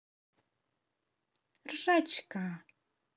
ржачка